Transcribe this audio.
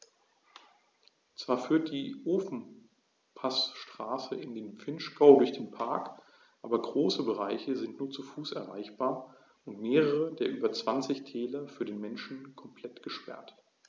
Zwar führt die Ofenpassstraße in den Vinschgau durch den Park, aber große Bereiche sind nur zu Fuß erreichbar und mehrere der über 20 Täler für den Menschen komplett gesperrt.